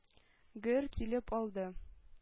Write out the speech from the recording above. Гөр килеп алды.